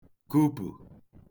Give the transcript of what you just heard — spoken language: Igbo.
kupù